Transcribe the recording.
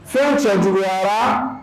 Fɛn tiɲɛ juguyarayara